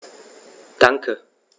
Danke.